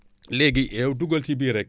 léegi yow duggal ci biir rekk